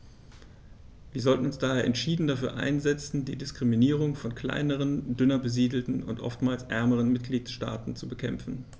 Wir sollten uns daher entschieden dafür einsetzen, die Diskriminierung von kleineren, dünner besiedelten und oftmals ärmeren Mitgliedstaaten zu bekämpfen.